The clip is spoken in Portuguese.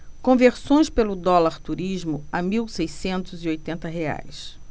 conversões pelo dólar turismo a mil seiscentos e oitenta reais